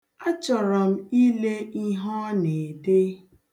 Achọrọ m ile ihe ọ na-ede.